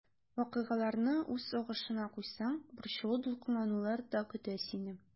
Вакыйгаларны үз агышына куйсаң, борчылу-дулкынланулар да көтә сине.